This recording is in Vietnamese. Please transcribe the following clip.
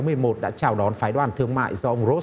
mười một đã chào đón phái đoàn thương mại do rốt